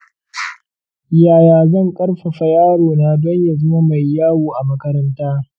yaya zan ƙarfafa yarona don ya zama mai wayo a makaranta?